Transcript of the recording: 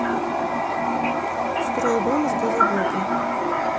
строю дом из газоблока